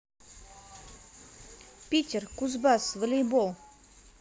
питер кузбасс волейбол